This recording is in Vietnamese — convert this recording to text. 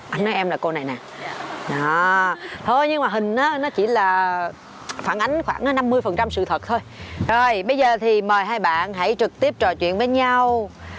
ảnh nói em là cô này nè nó thôi nhưng mà hình ớ nó chỉ là phản ánh khoảng năm mươi phần trăm sự thật thôi rồi bây giờ thì mời hai bạn hãy trực tiếp trò chuyện với nhau